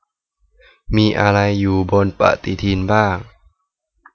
มีอะไรอยู่บนปฎิทินบ้าง